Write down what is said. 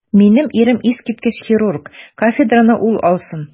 Минем ирем - искиткеч хирург, кафедраны ул алсын.